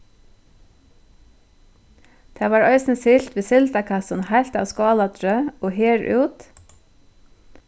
tá varð eisini siglt við sildakassum heilt av skálatrøð og her út